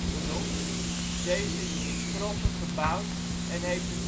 genoemd. Deze is iets grover gebouwd en heeft een